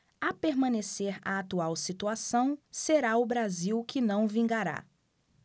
a permanecer a atual situação será o brasil que não vingará